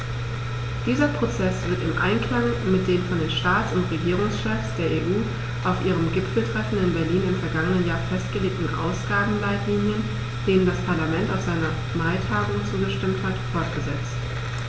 Dieser Prozess wird im Einklang mit den von den Staats- und Regierungschefs der EU auf ihrem Gipfeltreffen in Berlin im vergangenen Jahr festgelegten Ausgabenleitlinien, denen das Parlament auf seiner Maitagung zugestimmt hat, fortgesetzt.